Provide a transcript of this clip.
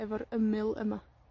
efo'r ymyl yma.